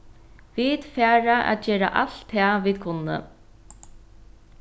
vit fara at gera alt tað vit kunnu